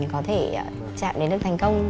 có thể chạm đến được thành công